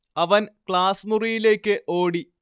അവൻ ക്ലാസ് മുറിയിലേക്ക് ഓടി